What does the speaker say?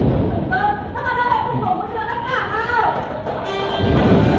vâng các bạn ơi hãy